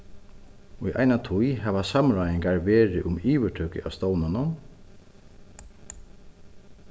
í eina tíð hava samráðingar verið um yvirtøku av stovninum